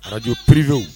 Arajo perezo